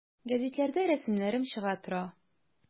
Гәзитләрдә рәсемнәрем чыга тора.